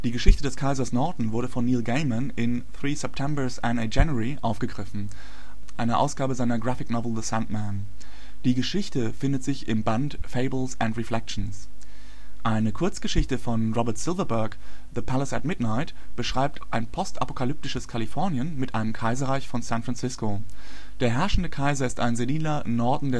Geschichte des Kaisers Norton wurde von Neil Gaiman in Three Septembers and a January aufgegriffen, einer Ausgabe seiner Graphic Novel The Sandman. Die Geschichte findet sich im Band Fables and Reflections. Eine Kurzgeschichte von Robert Silverberg, The Palace at Midnight beschreibt ein post-apokalyptisches Kalifornien mit einem Kaiserreich von San Francisco. Der herrschende Kaiser ist ein seniler Norton